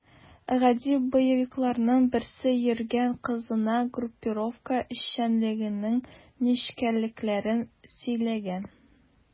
Гади боевикларның берсе йөргән кызына группировка эшчәнлегенең нечкәлекләрен сөйләгән.